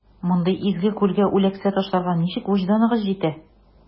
Мондый изге күлгә үләксә ташларга ничек вөҗданыгыз җитә?